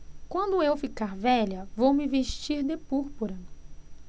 quando eu ficar velha vou me vestir de púrpura